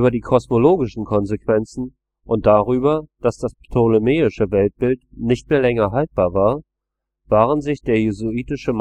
die kosmologischen Konsequenzen und darüber, dass das ptolemäische Weltbild nicht mehr länger haltbar war, waren sich der jesuitische